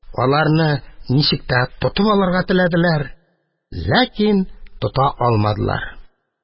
Аларны ничек тә тотып алырга теләделәр, ләкин тота алмадылар.